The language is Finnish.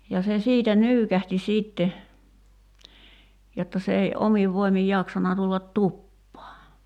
ja se siitä nyykähti sitten jotta se ei omin voimin jaksanut tulla tupaan